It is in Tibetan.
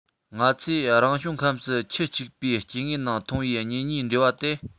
ང ཚོས རང བྱུང ཁམས སུ ཁྱུ གཅིག པའི སྐྱེ དངོས ནང མཐོང བའི གཉེན ཉེའི འབྲེལ བ དེ